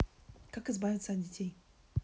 как избавиться от детей